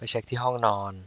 ไปเช็คที่ห้องนอน